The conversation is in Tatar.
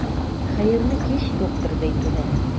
Хәерле кич, доктор Зәйтүнә.